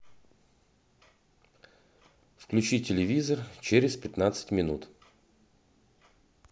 выключить телевизор через пятнадцать минут